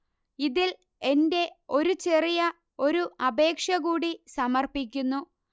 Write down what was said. ഇതിൽ എന്റെ ഒരു ചെറിയ ഒരു അപേക്ഷ കൂടി സമർപ്പിക്കുന്നു